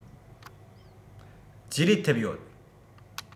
རྗེས ལུས ཐེབས ཡོད